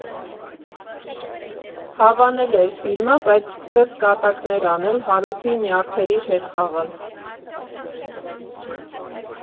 Հավանել էր ֆիլմը, բայց սկսեց կատակներ անել, Հարութի նյարդերի հետ խաղալ։